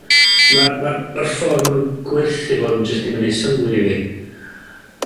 ma'r ma'r ma'r ffor ma' nw gwerthu fo'n jys dim yn neu' synnwyr i fi.